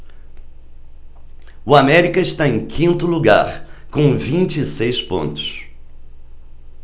o américa está em quinto lugar com vinte e seis pontos